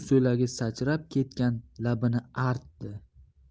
sachrab ketgan labini artdi